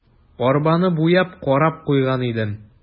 Арбаны буяп, карап куйган идем.